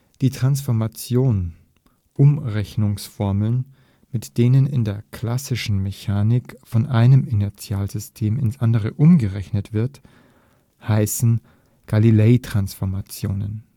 Die Transformationen (Umrechnungsformeln), mit denen in der klassischen Mechanik von einem Inertialsystem ins andere umgerechnet wird, heißen Galileitransformationen